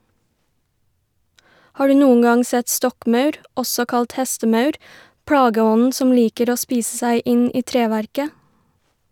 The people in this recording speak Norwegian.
Har du noen gang sett stokkmaur, også kalt hestemaur, plageånden som liker å spise seg inn i treverket?